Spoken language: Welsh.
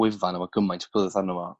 wefan efo gymaint o gwybodaeth arna fo